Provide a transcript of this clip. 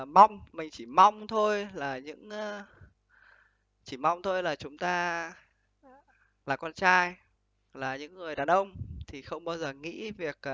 mong mình chỉ mong thôi là những nga chỉ mong thôi là chúng ta là con trai là những người đàn ông thì không bao giờ nghĩ việc